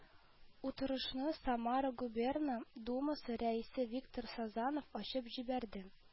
Утырышны Самара губерна Думасы рәисе Виктор Сазонов ачып җибәрде